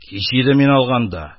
«кич иде мин алганда